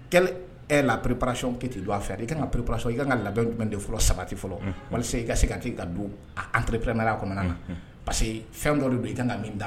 Quelle est la préparation que tu dois faire? i kan ka préparation i kan ka labɛn jumɛn de fɔlɔ sabati fɔlɔ, unhun, walasa i ka se ka i ka du, a entreprenariat kɔnɔna na parce que fɛn dɔ de don i kan ka min da